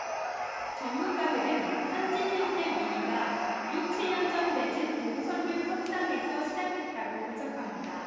전문가들은 한진해운의 위기가 육 칠 년 전 맺은 용선료 협상에서 시작했다고 분석합니다